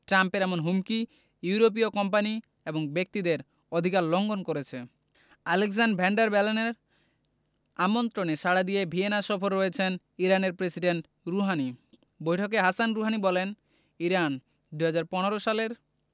ট্রাম্পের এমন হুমকি ইউরোপীয় কোম্পানি এবং ব্যক্তিদের অধিকার লঙ্ঘন করেছে আলেক্সান্ডার ভ্যান ডার বেলেনের আমন্ত্রণে সাড়া দিয়ে ভিয়েনা সফরে রয়েছেন ইরানের প্রেসিডেন্ট রুহানি বৈঠকে হাসান রুহানি বলেন ইরান ২০১৫ সালের